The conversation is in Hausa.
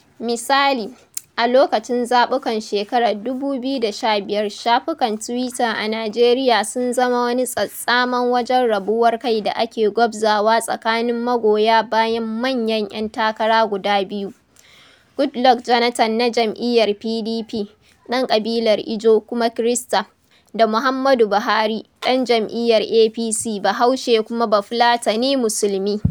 Misali, a lokacin zaɓukan shekarar 2015, shafukan tuwita a Nijeriya sun zama wani tsattsaman wajen rabuwar kai da ake gwabzawa tsakanin magoya bayan manyan 'yan takara guda biyu, Goodluck Jonathan (na jam'iyyar PDP, ɗan ƙabilar Ijaw kuma Kirista) da Muhammadu Buhari (ɗan jam'iyyar APC, Bahaushe kuma Bafulatani Musulmi).